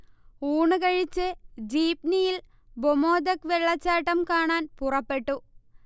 ഊണ് കഴിച്ച് ജീപ്നിയിൽ ബൊമൊദ്-ഒക് വെള്ളച്ചാട്ടം കാണാൻ പുറപ്പെട്ടു